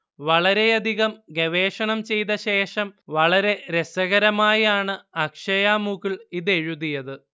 വളരെയധികം ഗവേഷണം ചെയ്തശേഷം, വളരെ രസകരമായാണ് അക്ഷയ മുകുൾ ഇതെഴുതിയത്